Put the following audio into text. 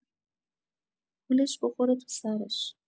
پولش بخوره تو سرش.